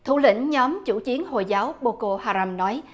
thủ lĩnh nhóm chủ chiến hồi giáo bô cô ha ram nói